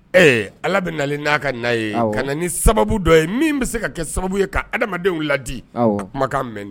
Ɛɛ ala bɛ na n'a ka na ye ka ni sababu dɔ ye min bɛ se ka kɛ sababu ye ka adamadamadenw ladi kumakan mɛn